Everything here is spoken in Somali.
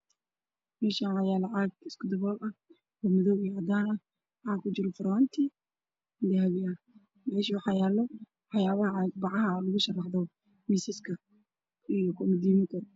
Waa katiin dahab ah oo ku jiro weel dhulka uu yaalla wax barbara cadaan ah